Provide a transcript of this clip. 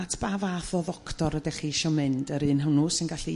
at ba fath o ddoctor ydych chi isio mynd yr un hwnnw sy'n gallu